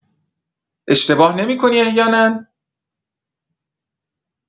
اشتباه نمی‌کنی احیانا؟